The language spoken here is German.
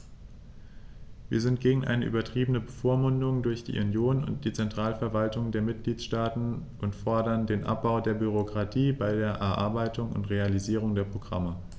Wir sind gegen eine übertriebene Bevormundung durch die Union und die Zentralverwaltungen der Mitgliedstaaten und fordern den Abbau der Bürokratie bei der Erarbeitung und Realisierung der Programme.